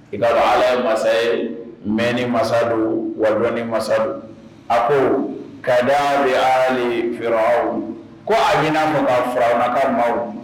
Ala ye masa mɛn ni masa wawa ni masasa a ko ka di bɛ fɛ aw ko a bɛna ma fara aw na ka ma